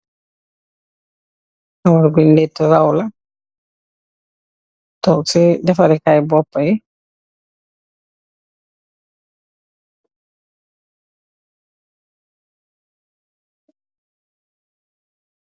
Kawar buñg lëëtë raw la, si deferee kaayi boopa yi.